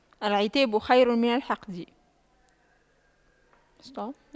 العتاب خير من الحقد